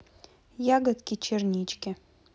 ягодки чернички